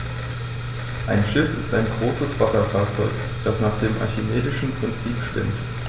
Ein Schiff ist ein größeres Wasserfahrzeug, das nach dem archimedischen Prinzip schwimmt.